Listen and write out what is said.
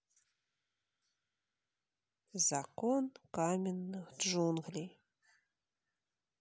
закон каменных джунглей